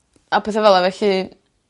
A petha fel 'a felly